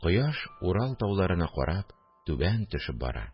Кояш Урал тауларына карап, түбән төшеп бара